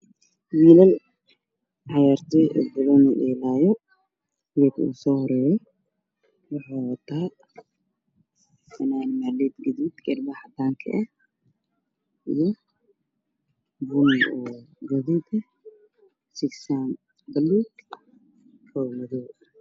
Wiilal ciyaar toow ah baa kubadku dheelaayo Kan u soohoreeyaa wuxu wataa funaanad madaw ina cadaan ka ah Sigisaan madaw ah